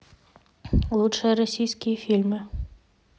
лучшие российские фильмы